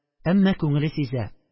Әмма күңеле сизә